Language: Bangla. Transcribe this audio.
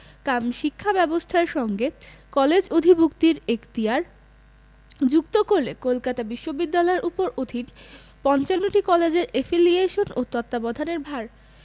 কাম শিক্ষা ব্যবস্থার সঙ্গে কলেজ অধিভুক্তির এখতিয়ার যুক্ত করলে কলকাতা বিশ্ববিদ্যালয়ের উপর অধীন ৫৫টি কলেজের এফিলিয়েশন ও তত্ত্বাবধানের ভার